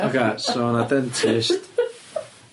Ocê so o' 'na dentist.